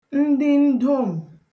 ndị ndom̀